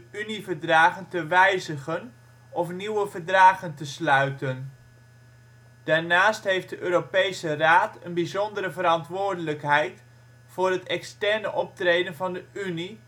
Unieverdragen te wijzigen of nieuwe verdragen te sluiten. Daarnaast heeft de Europese Raad een bijzondere verantwoordelijkheid voor het externe optreden van de Unie